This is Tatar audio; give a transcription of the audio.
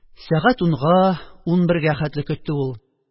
Сәгать унга, унбергә хәтле көтте ул,